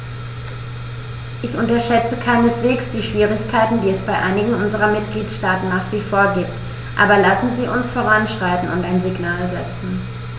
Ich unterschätze keineswegs die Schwierigkeiten, die es bei einigen unserer Mitgliedstaaten nach wie vor gibt, aber lassen Sie uns voranschreiten und ein Signal setzen.